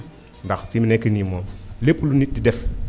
ndax fi mu nekk nii moom lépp lu nit di def